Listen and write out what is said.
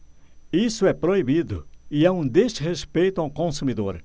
isso é proibido e é um desrespeito ao consumidor